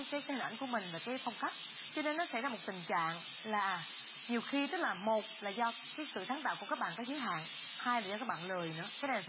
cái hình ảnh của mình về cái phong cách cho nên đã xảy ra một tình trạng là nhiều khi tức là một là do sự sáng tạo của các bạn có giới hạn hai là các bạn lười nữa cái này